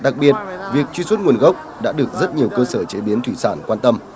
đặc biệt việc truy xuất nguồn gốc đã được rất nhiều cơ sở chế biến thủy sản quan tâm